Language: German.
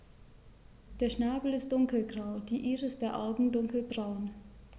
Der Schnabel ist dunkelgrau, die Iris der Augen dunkelbraun.